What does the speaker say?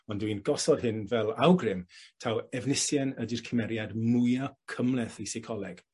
ond dwi'n gosod hyn fel awgrym taw Efnisien ydi'r cymeriad mwya cymhleth 'i seicoleg.